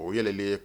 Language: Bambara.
O ye nin ye